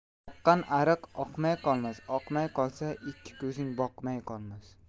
oqqan ariq oqmay qolmas oqmay qolsa ikki ko'zing boqmay qolmas